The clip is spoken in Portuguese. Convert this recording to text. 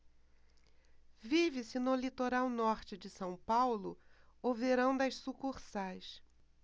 vive-se no litoral norte de são paulo o verão das sucursais